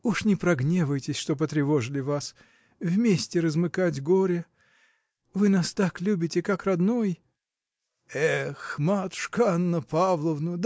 – Уж не погневайтесь, что потревожила вас – вместе размыкать горе вы нас так любите, как родной. – Эх, матушка Анна Павловна!